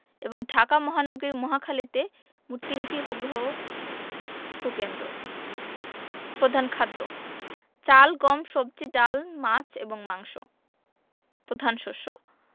এবং ঢাকা মহানগরীর মহাখালীতে মোট তিনটি উপগ্রহ ভূ কেন্দ্র প্রধান খাদ্যঃ চাল গম সবজি ডাল মাছ এবং মাংস প্রধান শস্য